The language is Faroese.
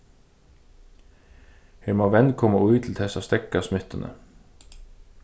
her má vend koma í til tess at steðga smittuni